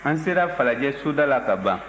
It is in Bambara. an sera falajɛ soda la kaban